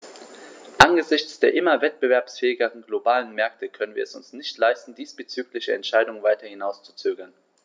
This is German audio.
Angesichts der immer wettbewerbsfähigeren globalen Märkte können wir es uns nicht leisten, diesbezügliche Entscheidungen weiter hinauszuzögern.